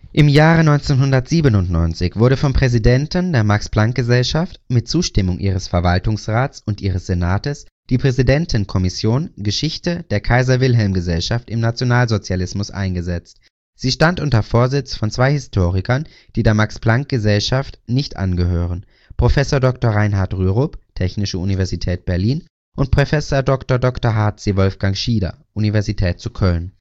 Im Jahre 1997 wurde vom Präsidenten der Max-Planck-Gesellschaft mit Zustimmung ihres Verwaltungsrats und ihres Senats die Präsidentenkommission „ Geschichte der Kaiser-Wilhelm-Gesellschaft im Nationalsozialismus “eingesetzt. Sie stand unter Vorsitz von zwei Historikern, die der Max-Planck-Gesellschaft nicht angehören: Prof. Dr. Reinhard Rürup (Technische Universität Berlin) und Prof. Dr. Dr. h. c. Wolfgang Schieder (Universität zu Köln